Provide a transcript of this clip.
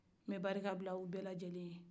repetition